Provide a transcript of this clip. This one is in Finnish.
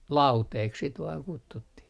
lauteeksi sitä vain kutsuttiin